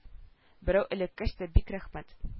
Берәү эләккәч тә бик рәхмәт